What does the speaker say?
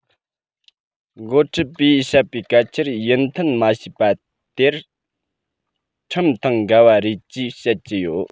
འགོ ཁྲིད པས བཤད པའི སྐད ཆར ཡིད མཐུན མ བྱས པ དེར ཁྲིམས དང འགལ བ རེད ཅེས བཤད ཀྱི ཡོད